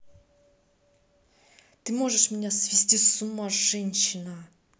ты можешь меня свести с ума женщина